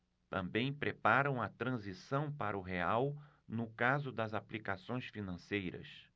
também preparam a transição para o real no caso das aplicações financeiras